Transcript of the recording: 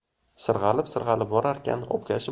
sirg'alib sirg'alib borarkan obkashi